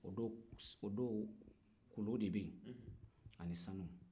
o don kolon de bɛ yen ani sanu